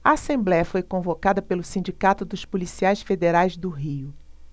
a assembléia foi convocada pelo sindicato dos policiais federais no rio